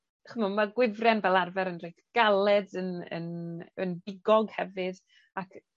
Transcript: dach'mo' ma' gwifre'n fel arfer yn rhai galed yn yn yn bigog hefyd ac yy